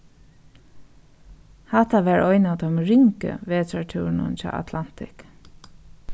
hatta var ein av teimum ringu vetrartúrunum hjá atlantic